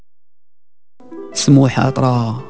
سموحه